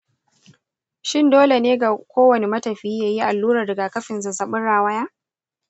shin dole ne ga kowane matafiyi yayi allurar rigakafin zazzabin rawaya?